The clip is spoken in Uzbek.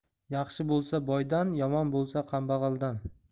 yaxshi bo'lsa boydan yomon bo'lsa kambag'aldan